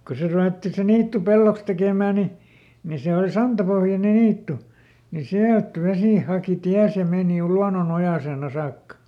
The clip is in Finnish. kun se ruvettiin se niitty pelloksi tekemään niin niin se oli santapohjainen niitty niin sieltä vesi haki tiensä ja meni luonnonojaseen - saakka